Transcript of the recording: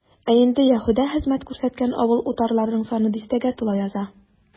Ә инде Яһүдә хезмәт күрсәткән авыл-утарларның саны дистәгә тула яза.